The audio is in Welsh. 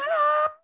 Ta ra!